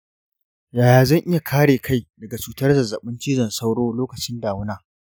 yaya zan iya kare kai daga cutar zazzabin cizon sauro lokacin damina?